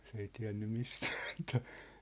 se ei tiennyt mistään mitään